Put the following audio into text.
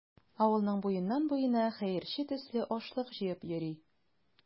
Авылның буеннан-буена хәерче төсле ашлык җыеп йөри.